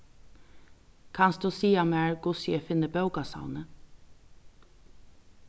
kanst tú siga mær hvussu eg finni bókasavnið